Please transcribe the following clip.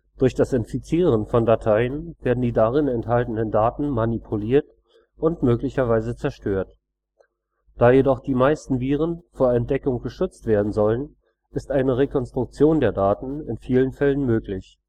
Durch das Infizieren von Dateien werden die darin enthaltenen Daten manipuliert und möglicherweise zerstört. Da jedoch die meisten Viren vor Entdeckung geschützt werden sollen, ist eine Rekonstruktion der Daten in vielen Fällen möglich